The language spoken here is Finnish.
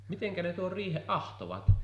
miten ne tuon riihen ahtoivat